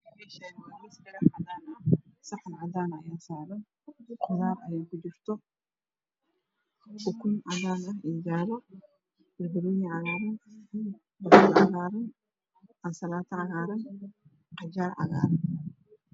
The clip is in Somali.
Meshan waa mis mira cadan ah saxan cadan aya saran qudar aya ku jirto ukun cadan iyo jalo bar baroni cagaran qajar cagaran ansalato cagaran qajar cagaran